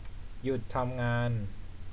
หยุดทำงาน